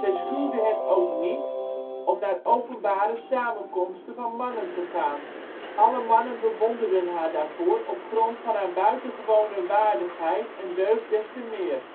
schuwde het ook niet om naar openbare samenkomsten van mannen te gaan. Alle mannen bewonderden haar daarvoor op grond van haar buitengewone waardigheid en deugd des te meer